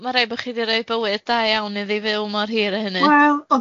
O, ma' rhaid bo' chi di roi bywyd da iawn iddi fyw mor hir â hynny.